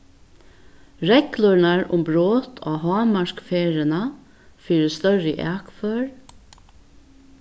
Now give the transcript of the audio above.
reglurnar um brot á hámarksferðina fyri størri akfør